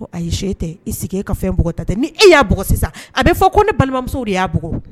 A ye so tɛ e sigi e ka fɛn bug ta ni e y'a sisan a bɛ fɔ ko ne balimamuso de y'a bugɔ